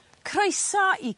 Croeso i...